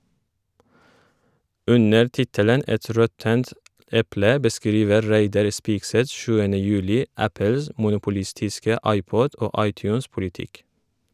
Under tittelen «Et råttent eple» beskriver Reidar Spigseth 7. juli Apples monopolistiske iPod- og iTunes-politikk.